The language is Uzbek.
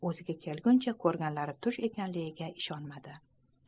o'ziga kelguncha ko'rganlari tush ekanligiga ishonmadi